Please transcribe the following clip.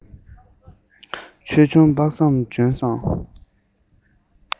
ཆོས འབྱུང དཔག བསམ ལྗོན བཟང